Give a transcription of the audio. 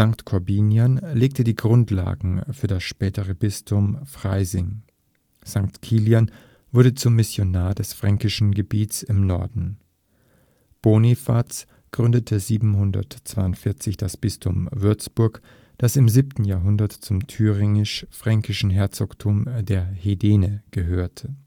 Korbinian legte die Grundlagen für das spätere Bistum Freising, St. Kilian wurde zum Missionar des fränkischen Gebiets im Norden. Bonifatius gründete 742 das Bistum Würzburg, das im 7. Jahrhundert zum thüringisch-fränkischen Herzogtum der Hedene gehörte